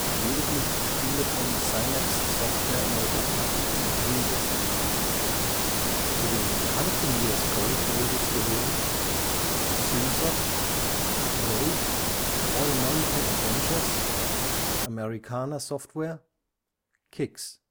lediglich Spiele von Synapse Software in Europa vertrieben. Zu den bekannten U.S. Gold-Labels gehören: Synsoft Go! All American Adventures Americana Software Kixx